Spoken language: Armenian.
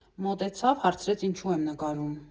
Մոտեցավ, հարցրեց՝ ինչու եմ նկարում.